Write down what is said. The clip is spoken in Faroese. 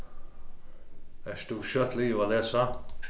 ert tú skjótt liðug at lesa